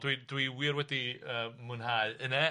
Dwi dwi wir wedi yy mwynhau hynna.